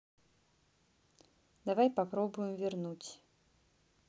давай попробуем вернуть